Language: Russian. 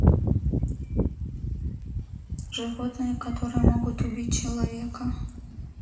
животные которые могут убить человека